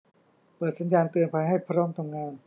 เปิดสัญญาณเตือนภัยให้พร้อมทำงาน